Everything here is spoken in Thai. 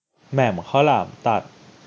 แหม่มข้าวหลามตัด